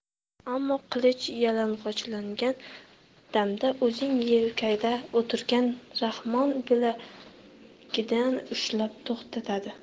ammo qilich yalang'ochlangan damda o'ng yelkada o'tirgan rahmon bila gidan ushlab to'xtatadi